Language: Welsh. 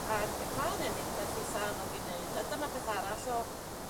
Ag ma' ynny'n beth itha anodd i neud a dyna beth arall o